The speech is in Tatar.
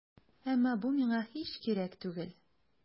Әмма бу миңа һич кирәк түгел.